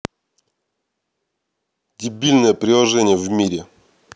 дебильное приложение в мире